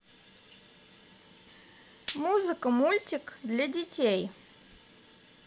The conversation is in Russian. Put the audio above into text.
музыка мультик для детей